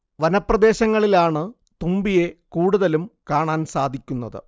വനപ്രദേശങ്ങളിലാണ് തുമ്പിയെ കൂടുതലും കാണാൻ സാധിക്കുന്നത്